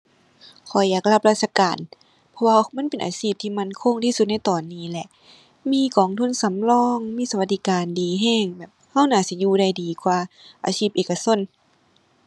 ข้อยอยากรับราชการ เพราะว่ามันเป็นอาชีพที่มั่นคงที่สุดในตอนนี้แหละ มีกองทุนสำรอง มีสวัสดิการดีแรง แบบแรงน่าสิอยู่ได้ดีกว่าอาชีพเอกชน